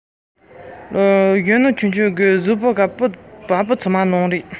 ན ཆུང གཞོན ནུའི བ སྤུ ལངས རབས